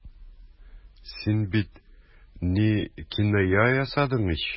Син бит... ни... киная ясадың ич.